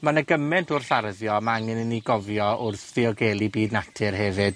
ma' 'na gyment wrth arddio ma' angen i ni gofio wrth ddiogelu byd natur hefyd.